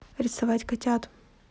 рисовать котят